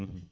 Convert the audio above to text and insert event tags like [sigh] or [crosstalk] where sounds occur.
[hesitation] [hesitation]